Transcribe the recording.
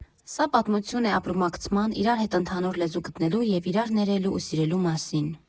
Սա պատմություն է ապրումակցման, իրար հետ ընդհանուր լեզու գտնելու և իրար ներելու ու սիրելու մասին։